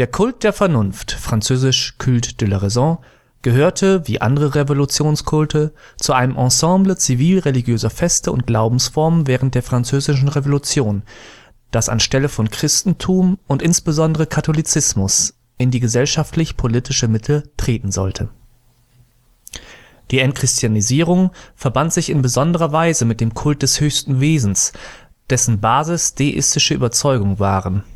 Kult der Vernunft (franz. Culte de la Raison) gehörte wie andere Revolutionskulte zu einem Ensemble zivilreligiöser Feste und Glaubensformen während der Französischen Revolution, das an Stelle von Christentum und insbesondere Katholizismus in die gesellschaftlich-politische Mitte treten sollte. Die Entchristianisierung verband sich in besonderer Weise mit dem Kult des höchsten Wesens, dessen Basis deistische Überzeugungen waren